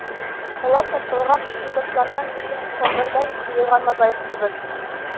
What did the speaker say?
Алар тапталган төсле ташлардан кеше сокланырдай җыелган мозаика кебек.